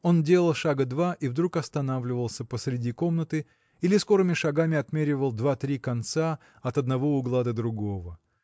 Он делал шага два и вдруг останавливался посреди комнаты или скорыми шагами отмеривал два-три конца от одного угла до другого.